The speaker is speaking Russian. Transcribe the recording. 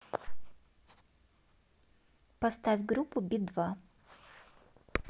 поставь группу би два